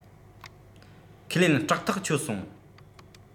ཁས ལེན སྐྲག ཐག ཆོད སོང